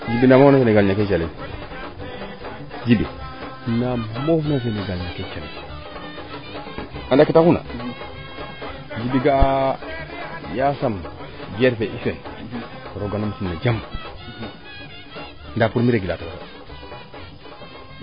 Djiby na moofu wiin we gaa ñakoyo calel Djiby naa moofu Senegal ñake calel anda ke taxuuna Djiby ga'a yaa'sam guerre fe Ukraine rooga num tn na jam ndaa pour mi regulateur o